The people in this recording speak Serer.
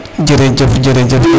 jerejef jerejef